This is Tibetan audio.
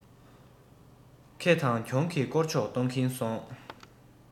ཁེ དང གྱོང གི བསྐོར ཕྱོགས གཏོང གིན སོང